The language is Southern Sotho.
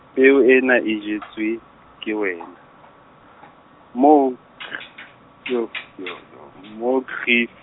peo ena e jwetswe ke wena, moo kg- yo yo yo moo kgi-.